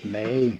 niin